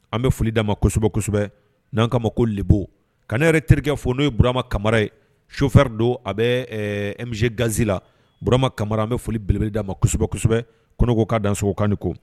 An bɛ foli d a ma kosɛbɛ kosɛbɛ n'an kama ma ko bbo ka ne yɛrɛ terikɛke fɔ n'o ye burama kamamara ye sufɛri don a bɛ epze ganze la burama kamamara an bɛ foli beleb d' ma kosɛbɛba kosɛbɛsɛbɛ kɔnɔko ka dansokan ko